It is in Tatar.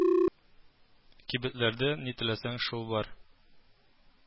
Кибетләрдә ни теләсәң, шул бар